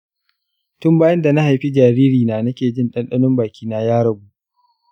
tun bayan dana haifi jariri na nake jin ɗanɗanon bakina ya ragu